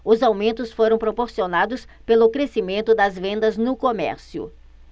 os aumentos foram proporcionados pelo crescimento das vendas no comércio